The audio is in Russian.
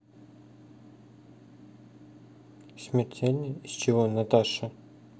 смертельный из чего наташа